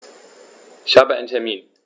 Ich habe einen Termin.